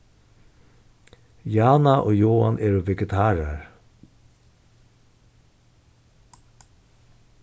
jana og joan eru vegetarar